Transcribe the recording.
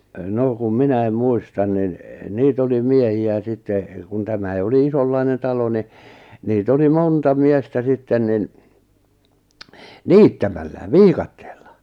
no kun minä muistan niin niitä oli miehiä sitten kun tämä oli isonlainen talo niin niitä oli monta miestä sitten niin niittämällä viikatteella